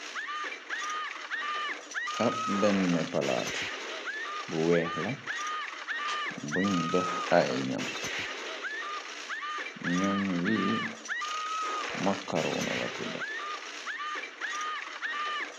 ab benn palaat bu weex la buñ dex ay nam ñoon wii mokkaruna la tudda